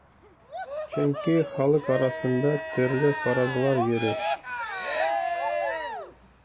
Чөнки халык арасында төрле фаразлар йөри.